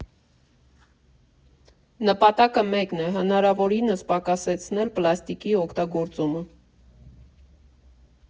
Նպատակը մեկն է՝ հնարավորինս պակասեցնել պլաստիկի օգտագործումը։